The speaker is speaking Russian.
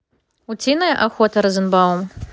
утиная охота розенбаум